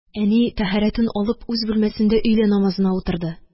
Әни, тәһарәтен алып, үз бүлмәсендә өйлә намазына утырды